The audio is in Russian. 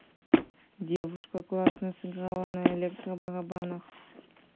девушка классно сыграла на электро барабанах